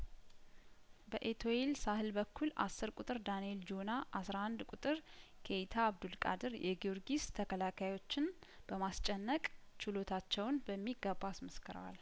በኤቶይል ሳህል በኩል አስር ቁጥር ዳንኤል ጆና አስራ አንድ ቁጥሩ ኬይታ አብዱል ቃድር የጊዮርጊስ ተከላካዮችን በማስጨነቅ ችሎታቸውን በሚገባ አስመስክረዋል